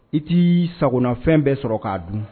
I t'i sagofɛn bɛ sɔrɔ k'a dun